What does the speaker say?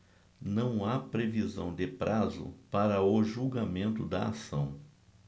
não há previsão de prazo para o julgamento da ação